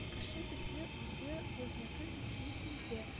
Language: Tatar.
Кеше төсле үзе, үгезнеке төсли күзе